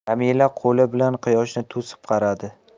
jamila qoli bilan quyoshni to'sib qaradi